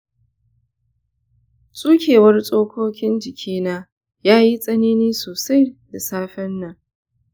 tsukewar tsokokin jikina ya yi tsanani sosai da safennan.